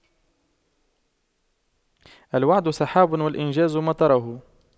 الوعد سحاب والإنجاز مطره